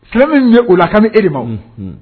Fi min ye o la ka e delimamu